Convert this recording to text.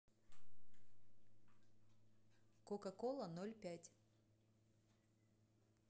кока кола ноль пять